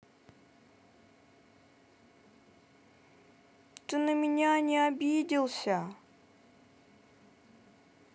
ты на меня не обиделся